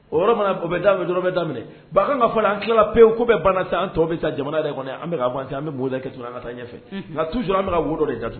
O bɛ yɔrɔ bɛ daminɛ ba an ka fɔ an tilala pewu ko bɛ bannatan an tɔw bɛ taa jamana yɛrɛ an bɛ ka an bɛ' dɛ kɛ an ka taa ɲɛfɛ nka suur an bɛ ka wo dɔ de jate